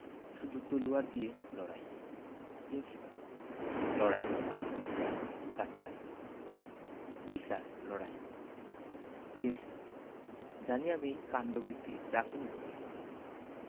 শুধু তলোয়ার দিয়ে লড়াই প্রিন্সিপাল লড়াই ডাক্তার জ্বী স্যার লড়াই প্রিন্সিপাল জানি আমি কাণ্ডকীর্তি রাখুন বড়াই